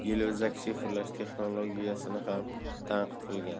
shifrlash texnologiyasini ham tanqid qilgan